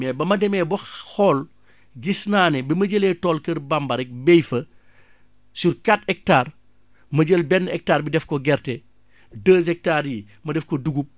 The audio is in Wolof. mais ba ma demee ba xool gis naa ne ba ma jëlee tool kër Bamba rekk bay fa sur quatre hectares ma jël benn hectare bi def ko gerte deux hectares yi ma def ko dugub